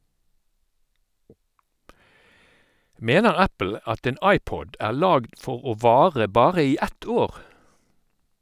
- Mener Apple at en iPod er lagd for å vare bare i ett år?